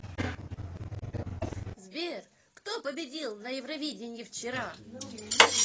сбер кто победил на евровидении вчера